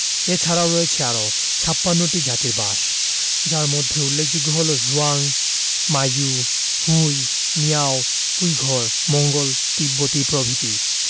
এছারাও রয়েছে আরও ৫৬ টি জাতির বাস যার মধ্যে উল্লেখযোগ্য হলো Zhuang Manchu Hui Miao Uyghur Mongol তিব্বতি প্রভৃতি